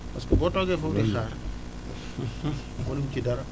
parce que boo toogee foofu di xaar mënuñ ci dara